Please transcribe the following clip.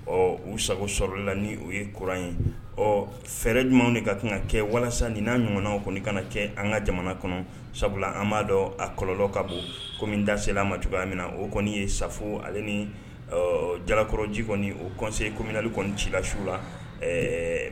Ɔ u sago sɔrɔ la ni o ye kuran ye ɔ fɛɛrɛ jumɛnw de ka kan ka kɛ walasa ni n'a ɲɔgɔnnaw kɔni kana kɛ an ka jamana kɔnɔ sabula an b'a dɔn a kɔlɔ ka bon kɔmi dasela ma cogoya min na o kɔni ye safo ale ni jalakɔrɔ ji kɔni o kɔnse kɔmimli kɔni ci la su la